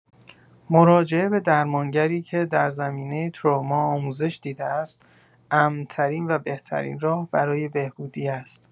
مراجعه به درمانگری که در زمینه تروما آموزش‌دیده است امن‌ترین و بهترین راه برای بهبودی است.